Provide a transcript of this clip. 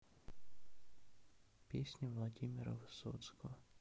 песни владимира высоцкого